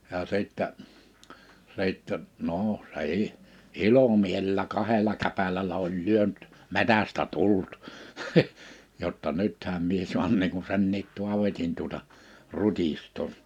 ja sitten sitten no se ei ilomielellä kahdella käpälällä oli lyönyt metsästä tullut jotta nythän minä saan niin kuin senkin Taavetin tuota rutistaa